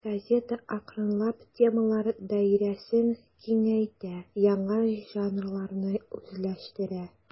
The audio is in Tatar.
Газета акрынлап темалар даирәсен киңәйтә, яңа жанрларны үзләштерә.